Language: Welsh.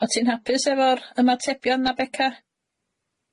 O't ti'n hapus efo'r ymatebion na Beca?